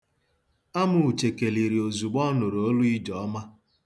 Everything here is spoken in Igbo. Amụ Uche keliri ozugbo ọ nụrụ olu Ijeọma.